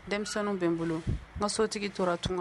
Denmisɛnninw bɛ n bolo ma sotigi toratuma